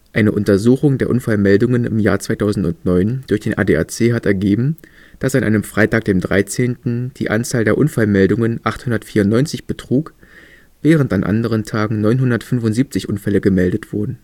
Eine Untersuchung der Unfallmeldungen im Jahr 2009 durch den ADAC hat ergeben, dass an einem Freitag dem 13. die Anzahl der Unfallmeldungen 894 betrug, während an anderen Tagen 975 Unfälle gemeldet wurden